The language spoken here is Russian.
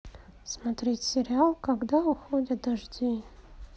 смотреть сериал когда уходят дожди